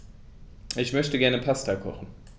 Ich möchte gerne Pasta kochen.